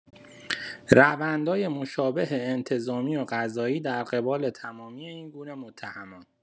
روندهای مشابه انتظامی و قضایی در قبال تمامی این‌گونه متهمان